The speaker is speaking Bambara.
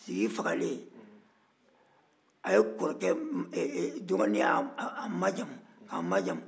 sigi fagalen dɔgɔnin y'a majamu k'a majamu